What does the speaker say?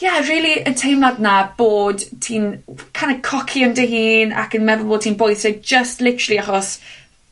ie rili y teimlad 'na bod ti'n w- kind of coci yn dy hun, ac yn meddwl bod ti'n bwysig jyst literally achos,